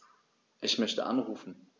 Ich möchte anrufen.